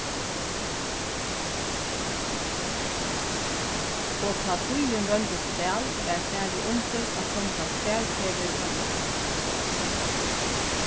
og tá tíðin royndist væl varð farið undir at senda tvær ferðir um vikuna